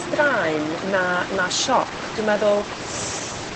straen na, na sioc dwi'n meddwl